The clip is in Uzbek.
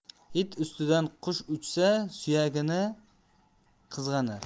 it ustidan qush uchsa suyagini qizg'anar